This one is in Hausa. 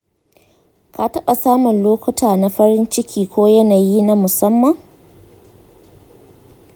ka taɓa samun lokuta na farin ciki ko yanayi na musamman?